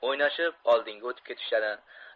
o'ynashib oldinga o'tib ketishadi